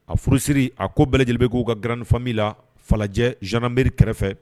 A furusi a ko bɛɛ lajɛlenbe k'u ka grainfami la falajɛ zanbri kɛrɛfɛ